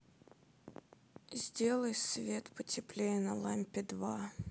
сделай свет потеплее на лампе два